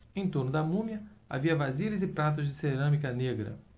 em torno da múmia havia vasilhas e pratos de cerâmica negra